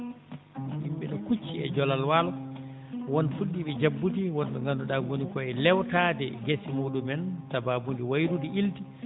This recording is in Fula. yimɓe no kucci e jolal waalo won fuɗɗiiɓe jabbude wonɓe ngannduɗaa ngoni koye lewtaade gese muɗumen sabaabu nde wayrude ilde